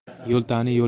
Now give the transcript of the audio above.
yo'l tani yo'lga